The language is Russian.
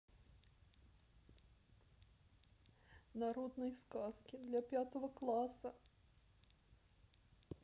народные сказки для пятого класса